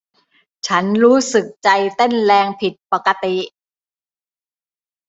ฉันรู้สึกใจเต้นแรงผิดปกติ